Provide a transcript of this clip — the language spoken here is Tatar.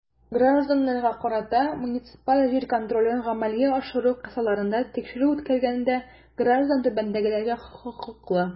Гражданнарга карата муниципаль җир контролен гамәлгә ашыру кысаларында тикшерү үткәргәндә граждан түбәндәгеләргә хокуклы.